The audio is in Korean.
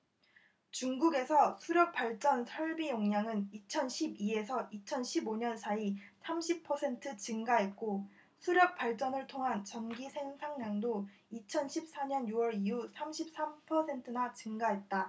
중국에서 수력발전 설비 용량은 이천 십 이 에서 이천 십 오 년 사이 삼십 퍼센트 증가했고 수력발전을 통한 전기 생산량도 이천 십 사 년 유 월 이후 삼십 삼 퍼센트나 증가했다